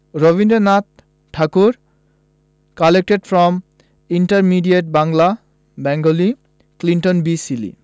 Rabindranath Tagore collected from intermediate Bangla Bengali Clinton B Seely